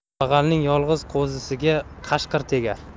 kambag'alning yolg'iz qo'zisiga qashqir tegar